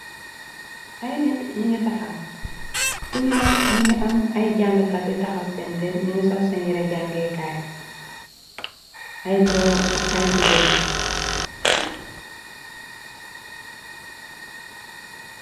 Ay nit ñu ngi taxaw, ci ñoom ñu ngi am ay jàngakat yi taxaw senter ñingi sol sen yira jangeekaay. Ay góor ak ay jigéen.